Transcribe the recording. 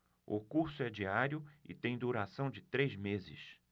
o curso é diário e tem duração de três meses